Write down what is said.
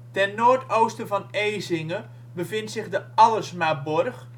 Ten noordoosten van Ezinge bevindt zich de Allersmaborg